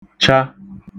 -cha